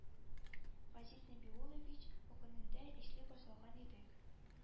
Газиз нәбиуллович вакытында эшли башлаган идек